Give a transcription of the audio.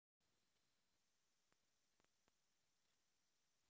целуя девушек